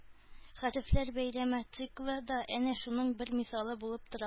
«хәрефләр бәйрәме» циклы да әнә шуның бер мисалы булып тора